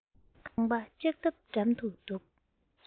རྐང པ ལྕགས ཐབ འགྲམ དུ འདུག